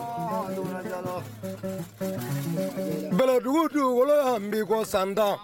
Dugu duuru wolo b' ko san tan